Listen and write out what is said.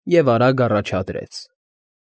Եվ արագ առաջադրեց.